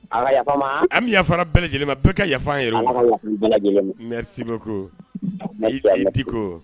A ka yafa n ma! An b'i yafa la bɛɛ lajɛlen ma. Bɛɛ ka yafa an yɛrɛw ma. Ala ka yafa bɛɛ lajɛlen ma. Merci Beaucoup i Diko.